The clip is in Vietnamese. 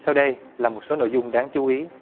sau đây là một số nội dung đáng chú ý